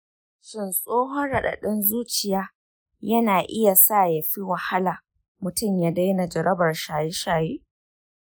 shin tsohon raɗaɗin zuciya yana iya sa ya fi wahala mutum ya daina jarabar shaye-shaye?